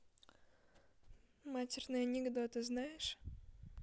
матерные анекдоты знаешь